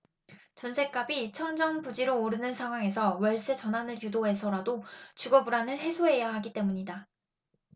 전셋값이 천정부지로 오르는 상황에서 월세 전환을 유도해서라도 주거 불안을 해소해야 하기 때문이다